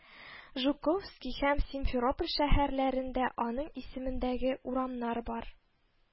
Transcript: Жуковский һәм Симферополь шәһәрләрендә аның исемендәге урамнар бар